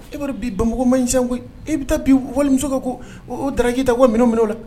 E b bɛ bi bamabugu ma inc koyi e bɛ taa bi walimuso ko ko taara k'iyita ko minnu minɛ la